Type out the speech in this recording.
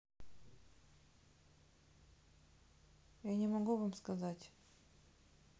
я не могу вам сказать